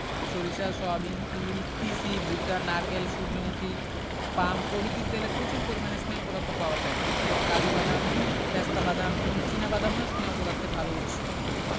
সরিষা সয়াবিন তিল তিসি ভুট্টা নারকেল সুর্যমুখী পাম প্রভিতির তেলে প্রচুর পরিমাণে স্নেহ পদার্থ পাওয়া যায় কাজু বাদাম পেস্তা বাদাম এবং চিনা বাদামও স্নেহ পদার্থের ভালো উৎস